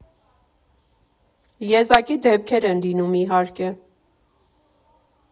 Եզակի դեպքեր են լինում, իհարկե…